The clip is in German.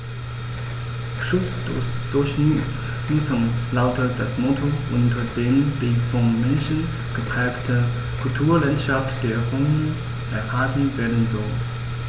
„Schutz durch Nutzung“ lautet das Motto, unter dem die vom Menschen geprägte Kulturlandschaft der Rhön erhalten werden soll.